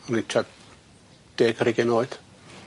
O'n i ua deg ar hugain oed.